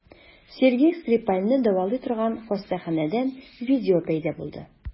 Сергей Скрипальне дәвалый торган хастаханәдән видео пәйда булды.